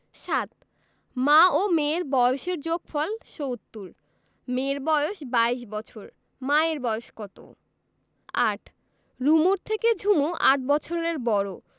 ৭ মা ও মেয়ের বয়সের যোগফল ৭০ মেয়ের বয়স ২২ বছর মায়ের বয়স কত ৮ রুমুর থেকে ঝুমু ৮ বছরের বড়